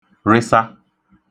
-rịsa